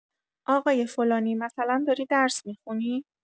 آقای فلانی، مثلا داری درس می‌خونی؟